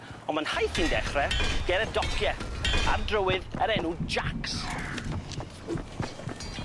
On' ma'n nhaith i'n dechre ger y docie ar drywydd yr enw Jacks.